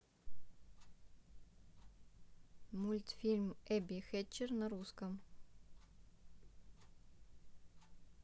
мультфильм эбби хэтчер на русском